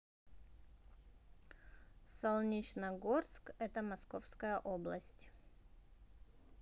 солнечногорск это московская область